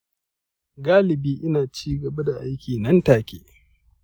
galibi ina ci gaba da aiki nan take.